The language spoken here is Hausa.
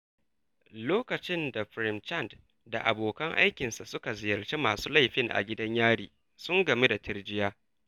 Lokacin da Prem Chand da abokan aikinsa suka ziyarci masu laifin a gidan yari sun gamu da tirjiya: